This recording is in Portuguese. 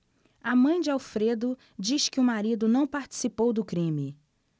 a mãe de alfredo diz que o marido não participou do crime